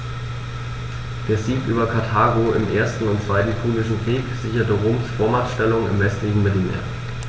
Der Sieg über Karthago im 1. und 2. Punischen Krieg sicherte Roms Vormachtstellung im westlichen Mittelmeer.